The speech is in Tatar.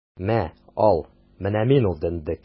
Мә, ал, менә мин ул дөндек!